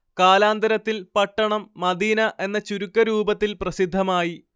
കാലാന്തരത്തിൽ പട്ടണം മദീന എന്ന ചുരുക്കരൂപത്തിൽ പ്രസിദ്ധമായി